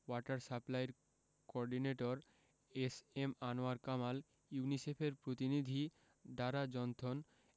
water সাপ্লাইর coordinator S M Anwar Kamal ইউনিসেফের প্রতিনিধি ডারা জনথন